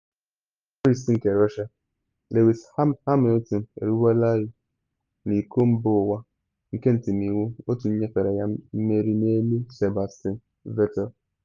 Grand Prix nke Russia: Lewis Hamilton eruwelaị n’iko mba ụwa ka ntimiwu otu nyefere ya mmeri n’elu Sebastian Vettel